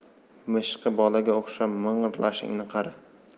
mishiqi bolaga o'xshab ming'irlashingni qara